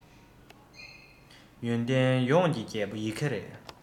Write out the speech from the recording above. ཡོན ཏན ཡོངས ཀྱི རྒྱལ པོ ཡི གེ རེད